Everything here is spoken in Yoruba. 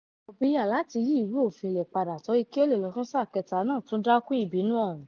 Ìgbìyànjú Ààrẹ Paul Biya láti yí ìwé òfin ilẹ̀ padà torí kí ó lè lọ fún sáà kẹta náà tún dá kún ìbínú ọ̀ún.